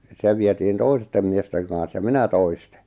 se vietiin toisten miesten kanssa ja minä toisten